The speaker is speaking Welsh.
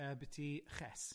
Yy, byti Chess.